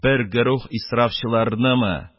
Бер груһ исрафчыл арнымы,